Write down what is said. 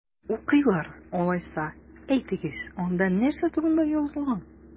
Укыйлар! Алайса, әйтегез, анда нәрсә турында язылган?